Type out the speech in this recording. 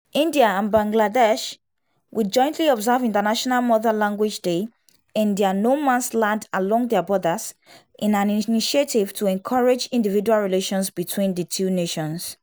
India and Bangladesh will jointly observe International Mother Language Day in the no-man's-land along their borders, in an initiative to encourage individual relations between the two nations.